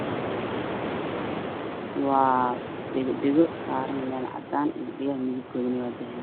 Waa dhagdhago saaran meel cadaan ah dhagdhag midab kooduna waa dahbi